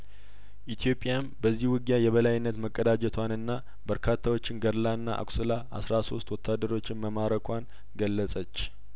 ኢትዮጵያም በዚህ ውጊያ የበላይነት መቀዳጀቷንና በርካታዎችን ገድላና አቁስላ አስራ ሶስት ወታደሮችን መማረኳን ገለጸች